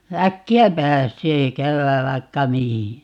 äkkiä pääsee käymään vaikka mihin